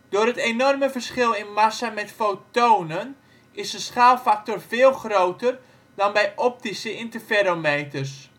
Door het enorme verschil in massa met fotonen is de schaalfactor veel groter dan bij optische interferometers